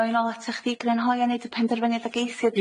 Ddoi nôl atoch chdi grynhoi a neud y penderfyniad ag eithir.